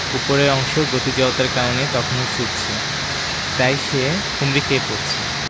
ওপরের অংশ গতি জড়তার কারণে তখনো ছুটছে তাই সে হুমড়ি খেয়ে পড়ছে